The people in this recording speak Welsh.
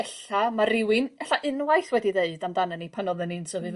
Ella ma' rywun ella unwaith wedi ddeud amdanyn ni pan odden ni'n tyfu...